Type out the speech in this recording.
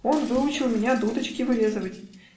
Он выучил меня дудочки вырезывать.